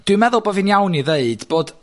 dwi'n meddwl bo' fi'n iawn i ddeud bod